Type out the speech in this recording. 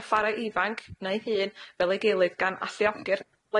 a pharau ifanc neu hŷn fel ei gilydd gan alluogi'r